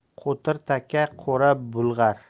qo'tir taka qo'ra bulg'ar